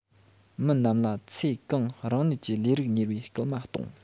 མི རྣམས ལ ཚེ གང རང ཉིད ཀྱི ལས རིགས གཉེར བའི བསྐུལ མ གཏོང